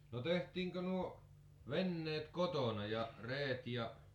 no tehtiinkö nuo veneet kotona ja reet ja